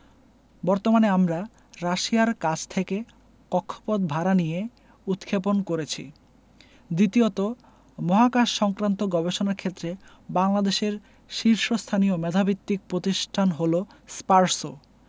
বর্তমানে আমরা রাশিয়ার কাছ থেকে কক্ষপথ ভাড়া নিয়ে উৎক্ষেপণ করেছি দ্বিতীয়ত মহাকাশসংক্রান্ত গবেষণার ক্ষেত্রে বাংলাদেশের শীর্ষস্থানীয় মেধাভিত্তিক প্রতিষ্ঠান হলো স্পারসো